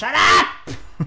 Shut up!